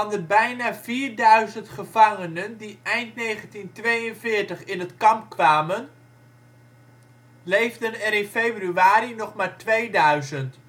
de bijna vierduizend gevangenen die eind 1942 in het kamp waren, leefden er in februari nog maar tweeduizend